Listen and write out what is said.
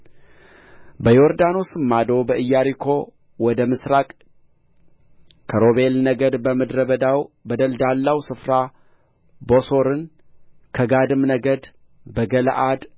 በዮርዳኖስም ማዶ ከኢያሪኮ ወደ ምሥራቅ ከሮቤል ነገድ በምድረ በዳው በደልዳላው ስፍራ ቦሶርን ከጋድም ነገድ በገለዓድ